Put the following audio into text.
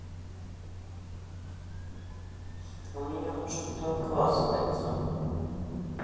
у меня что то оказывается